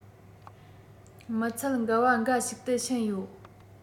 མི ཚད འགལ བ འགའ ཞིག ཏུ ཕྱིན ཡོད